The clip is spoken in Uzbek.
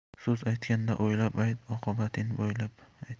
so'z aytganda o'ylab ayt oqibatin bo'ylab ayt